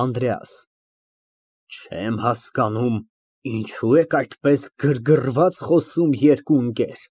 ԱՆԴՐԵԱՍ ֊ Չեմ հասկանում, ինչո՞ւ եք այդպես գրգռված խոսում երկու ընկեր։